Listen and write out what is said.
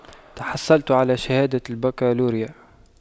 تحصلت على شهادة البكالوريا